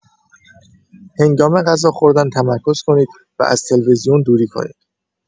هنگام غذا خوردن تمرکز کنید و از تلویزیون دوری کنید.